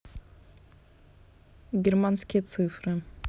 германские цифры